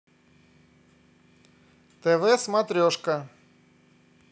тв смотрешка